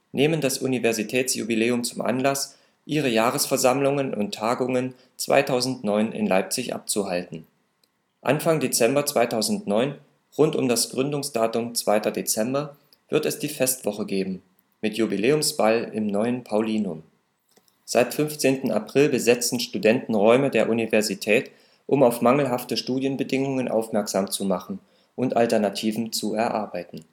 nehmen das Universitätsjubiläum zu Anlass, ihre Jahresversammlungen und - tagungen 2009 in Leipzig abzuhalten. Anfang Dezember 2009, rund um das Gründungsdatum 2. Dezember, wird es die Festwoche geben - mit Jubiläumsball im neuen Paulinum. Seit 15. April besetzen Studenten Räume der Universität, um auf mangelhafte Studienbedingungen aufmerksam zu machen und Alternativen zu erarbeiten